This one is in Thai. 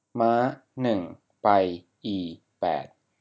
ม้าหนึ่งไปอีแปด